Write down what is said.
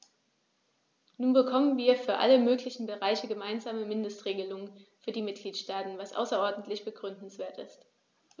Nun bekommen wir für alle möglichen Bereiche gemeinsame Mindestregelungen für die Mitgliedstaaten, was außerordentlich begrüßenswert ist.